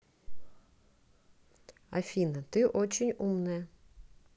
афина ты очень умная